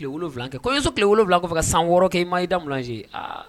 Wolonwula kɛ koso tile wolowula wolonwula fɛ ka san wɔɔrɔ kɛ i ma i damu